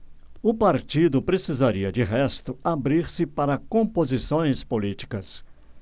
o partido precisaria de resto abrir-se para composições políticas